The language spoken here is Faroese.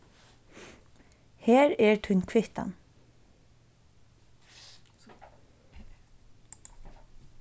her er tín kvittan